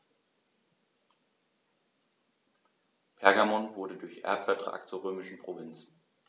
Pergamon wurde durch Erbvertrag zur römischen Provinz.